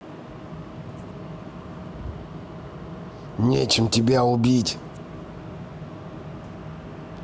ничем тебя убить